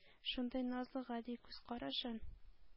Шундый назлы, гади күз карашын